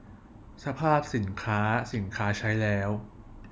สภาพสินค้าสินค้าใช้แล้ว